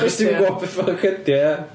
achos ti'm yn gwbod be fuck ydy o ia.